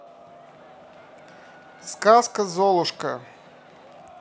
сказка золушка